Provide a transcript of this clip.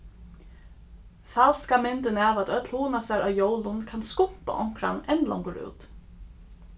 falska myndin av at øll hugna sær á jólum kann skumpa onkran enn longur út